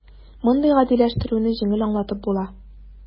Мондый "гадиләштерү"не җиңел аңлатып була: